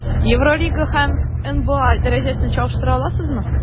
Евролига һәм НБА дәрәҗәсен чагыштыра аласызмы?